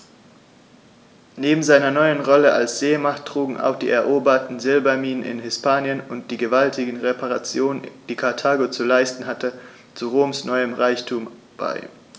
Neben seiner neuen Rolle als Seemacht trugen auch die eroberten Silberminen in Hispanien und die gewaltigen Reparationen, die Karthago zu leisten hatte, zu Roms neuem Reichtum bei.